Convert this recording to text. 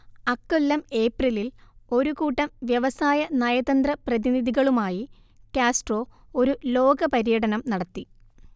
അക്കൊല്ലം ഏപ്രിലിൽ ഒരു കൂട്ടം വ്യവസായ നയതന്ത്ര പ്രതിനിധികളുമായി കാസ്ട്രോ ഒരു ലോക പര്യടനം നടത്തി